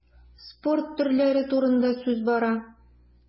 Спорт төрләре турында сүз бара.